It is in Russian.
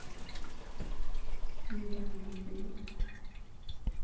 нереальный север